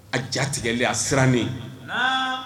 A jatigɛlen, a siranlen. Naamu.